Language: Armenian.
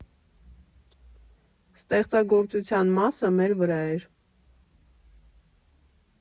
Ստեղծարարության մասը մեր վրա էր։